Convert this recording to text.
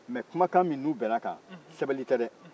mɛ kumakan min n'u bɛnna kan sɛbɛnni tɛ de